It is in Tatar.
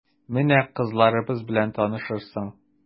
Менә кызларыбыз белән танышырсың...